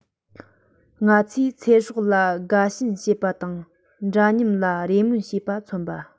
ང ཚོས ཚེ སྲོག ལ དགའ ཞེན བྱེད པ དང འདྲ མཉམ ལ རེ སྨོན བྱེད པ མཚོན པ